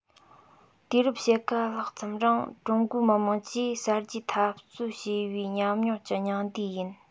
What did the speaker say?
དུས རབས ཕྱེད ཀ ལྷག ཙམ རིང ཀྲུང གོའི མི དམངས ཀྱིས གསར བརྗེའི འཐབ རྩོད བྱས པའི ཉམས མྱོང གི སྙིང བསྡུས ཡིན